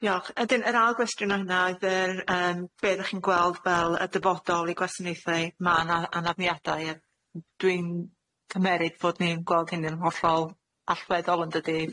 Diolch a dyn yr ail gwestiwn o hynna oedd yr yym be' 'dach chi'n gweld fel y dyfodol i gwasanaethau ma' 'na anafniadau, a dwi'n cymeryd fod ni'n gweld hyn yn hollol allweddol yndydi?